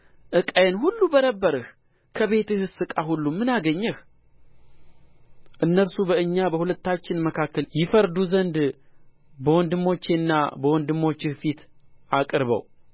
ዕቃዬን ሁሉ በረበርህ ከቤትህስ ዕቃ ሁሉ ምን አገኘህ እነርሱ በእኛ በሁለታችን መካከል ይፈርዱ ዘንድ በወንድሞቼና በወንድሞችህ ፊት አቅርበው